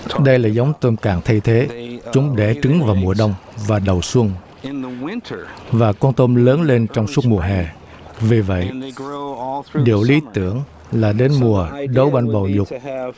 đây là giống tôm càng thay thế chúng đẻ trứng vào mùa đông và đầu xuân và con tôm lớn lên trong suốt mùa hè vì vậy điều lý tưởng là đến mùa đấu banh bầu dục